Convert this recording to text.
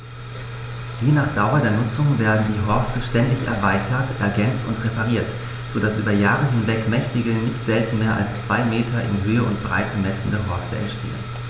Je nach Dauer der Nutzung werden die Horste ständig erweitert, ergänzt und repariert, so dass über Jahre hinweg mächtige, nicht selten mehr als zwei Meter in Höhe und Breite messende Horste entstehen.